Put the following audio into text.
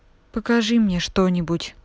покажи мне что нибудь